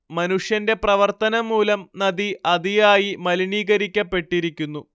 മനുഷ്യന്റെ പ്രവർത്തനം മൂലം നദി അതിയായി മലിനികരിക്കപ്പെട്ടിരിക്കുന്നു